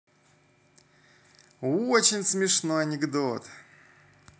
очень смешной анекдот